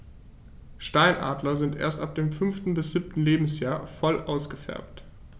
Steinadler sind erst ab dem 5. bis 7. Lebensjahr voll ausgefärbt.